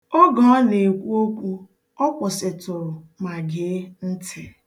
Oge ọ na-ekwu okwu, ọ kwụsịtụrụ ma gee ntị.